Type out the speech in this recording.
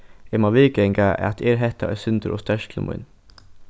eg má viðganga at er hetta eitt sindur ov sterkt til mín